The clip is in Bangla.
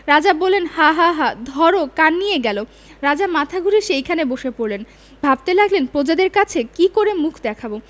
রাজা বললেন হাঁ হাঁ হাঁ ধরো কাক কান নিয়ে গেল রাজা মাথা ঘুরে সেইখানে বসে পড়লেন ভাবতে লাগলেন প্রজাদের কাছে কী করে মুখ দেখাব